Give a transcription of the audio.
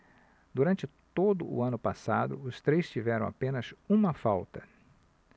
durante todo o ano passado os três tiveram apenas uma falta